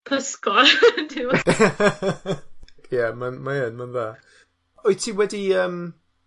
pysgod t'mod? Ie, ma'n mae yn mae'n dda. Wyt ti wedi yym,